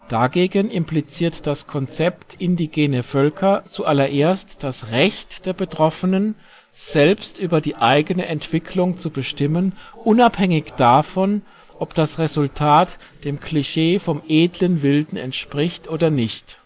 Dagegen impliziert das Konzept " indigene Völker " zuallererst das Recht der Betroffenen, selbst über die eigene Entwicklung zu bestimmen, unabhängig davon, ob das Resultat dem Klischee vom Edlen Wilden entspricht, oder nicht